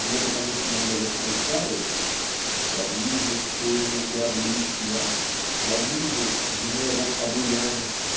глубокомысленно восклицает Я вижу тени и обличья Я вижу гневом обуян